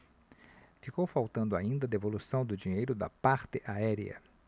ficou faltando ainda a devolução do dinheiro da parte aérea